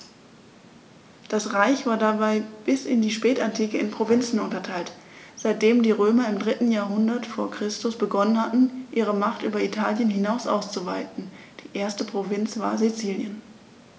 Das Reich war dabei bis in die Spätantike in Provinzen unterteilt, seitdem die Römer im 3. Jahrhundert vor Christus begonnen hatten, ihre Macht über Italien hinaus auszuweiten (die erste Provinz war Sizilien).